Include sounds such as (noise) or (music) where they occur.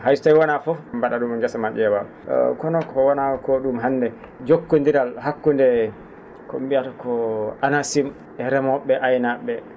hay so tawii wonaa fof mba?a ?um e ngesa ma??e ?eewa (hesitation) kono ko ?um hannde jokkonndiral hakkunde ko ?e mbiyata ko ANACIM e remoo?e e aynaa?e